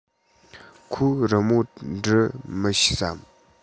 ཁོས རི མོ འབྲི མི ཤེས སམ